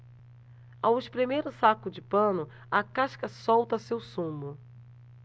ao espremer o saco de pano a casca solta seu sumo